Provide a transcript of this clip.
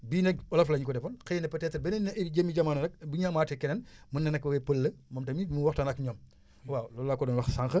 bii nag olof la ñu ko defoon xëy na peut être beneen jëmmi jamaono rek bu ñu amaatee keneen mën na nekk pël la moom tamit mu waxtaan ak ñoom waaw loolu laa ko doon wax sànq